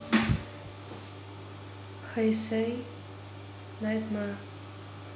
hell say nightmare